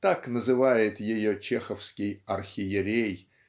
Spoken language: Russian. так называет ее чеховский Архиерей